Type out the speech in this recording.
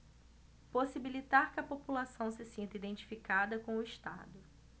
possibilitar que a população se sinta identificada com o estado